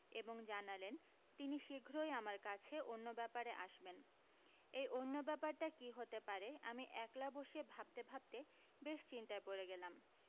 এবং জানালেন তিনি শীঘ্রই আমার কাছে অন্য ব্যাপারে আসবেন এই অন্য ব্যাপারটা কী হতে পারে আমি একলা বসে ভাবতে ভাবতে বেশ চিন্তায় পড়ে গেলাম